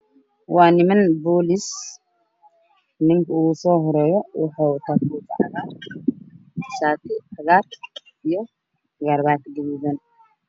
Waa niman boolis ninka ugu soo horeeyo wuxu wataa koofi cagaar ahaati cagaar iyo garabaati gaduudan